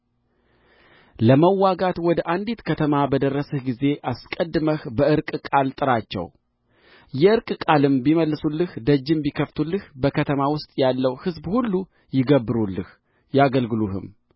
ለመዋጋት ወደ አንዲት ከተማ በደረስህ ጊዜ አስቀድመህ በዕርቅ ቃል ጥራቸው የዕርቅ ቃልም ቢመልሱልህ ደጅም ቢከፍቱልህ በከተማ ውስጥ ያለው ሕዝብ ሁሉ ይገብሩልህ ያገልግሉህም